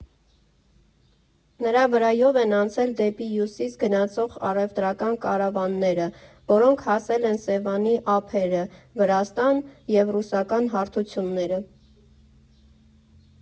Նրա վրայով են անցել դեպի հյուսիս գնացող առևտրական կարավանները, որոնք հասել են Սևանի ափերը, Վրաստան և ռուսական հարթությունները։